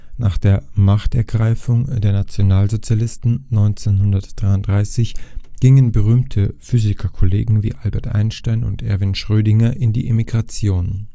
Nach der „ Machtergreifung “der Nationalsozialisten 1933 gingen berühmte Physikerkollegen wie Albert Einstein und Erwin Schrödinger in die Emigration